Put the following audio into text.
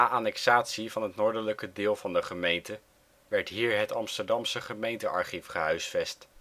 annexatie van het noordelijke deel van de gemeente werd hier het Amsterdamse Gemeentearchief gehuisvest